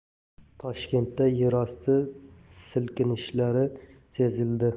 toshkentda yerosti silkinishlari sezildi